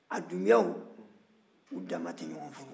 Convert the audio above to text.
a dunbuyaw u dama tɛ ɲɔgɔn furu